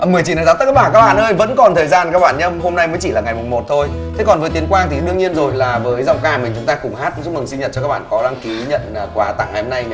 mười chín tháng sau tất cả các bạn ơi vẫn còn thời gian các bạn nhớ hôm nay mới chỉ là ngày mùng một thôi thế còn với tuyến quang thì đương nhiên rồi là với giọng ca của mình chúng ta cùng hát chúc mừng sinh nhật cho các bạn có đăng ký nhận quà tặng ngày hôm nay nhở